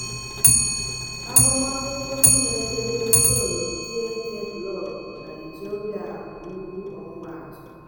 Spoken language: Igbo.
Ahụmahụ ndị na-edere Zone9 blọọgụ na Ethiopia bụ nnukwu ọmụmaatụ.